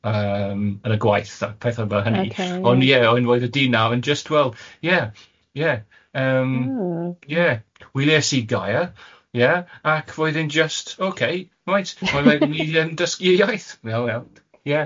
yym yn y gwaith a pethau fel hynny... Oce ia. ...ond ie oedd y dyn naw yn jyst fel ie ie yym ie weles i gaiyr ie ac roedd e'n jyst, ok, reit oedd e'n mynd i yym dysgu iaith, wel wel ie.